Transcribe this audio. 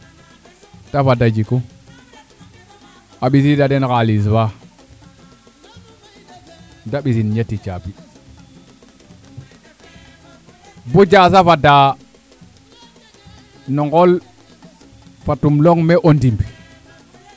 te fada jiku a ɓisida den xaliis fa nde mbisin ñeti caabi bo Diasse a fada no ngool fat im leyong me o ndim